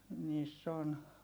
niissä on